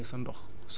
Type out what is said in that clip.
jal ko fa